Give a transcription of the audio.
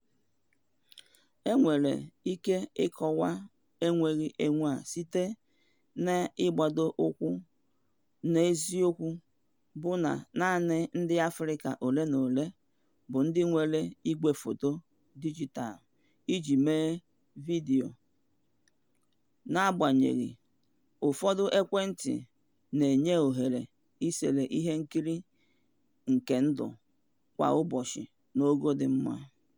E nwere ike ịkọwa enweghị enwe a site n'ịgbadoukwu n'eziokwu bụ na naanị ndị Afrịka ole na ole bu ndị nwere igwefoto dijitalụ iji mee vidiyo, n'agbanyeghị, ụfọdụ ekwentị na-enye ohere isere ihe nkiri nke ndụ kwa ụbọchị n'ogo dị mma.